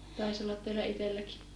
taisi olla teillä itselläkin